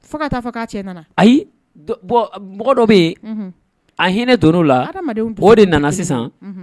Fo ka taa fɔ k' cɛ nana ayi mɔgɔ dɔ bɛ yen a hinɛ don la o de nana sisan